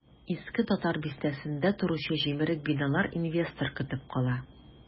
Иске татар бистәсендә торучы җимерек биналар инвестор көтеп кала.